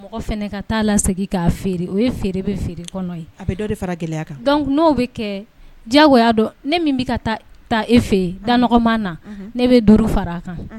Mɔgɔ fana ka taaa la segin' feere o feere bɛ feere kɔnɔ n' bɛ kɛ diyagoya dɔn ne min bɛ ka taa ta e fɛ yen danma na ne bɛ do fara a kan